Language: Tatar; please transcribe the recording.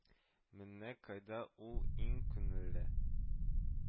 Менә кайда ул иң күңелле